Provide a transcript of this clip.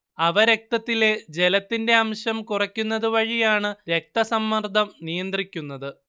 അവ രക്തത്തിലെ ജലത്തിന്റെ അംശം കുറയ്ക്കുന്നത് വഴിയാണ് രക്തസമ്മർദ്ദം നിയന്ത്രിക്കുന്നത്